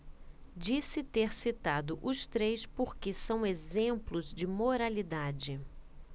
disse ter citado os três porque são exemplos de moralidade